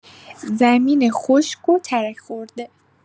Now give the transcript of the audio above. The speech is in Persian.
زمین خشک و ترک‌خورده